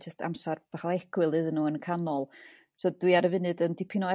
jyst amsar bach o egwyl iddyn nhw yn canol, so dwi ar y funud yn dipyn o